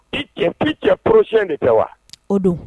I cɛ p cɛ porosiyɛn de tɛ wa u dun